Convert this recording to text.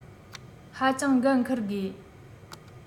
ཧ ཅང འགན འཁུར དགོས